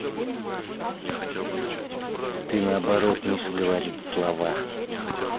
ты наоборот миша говорит слова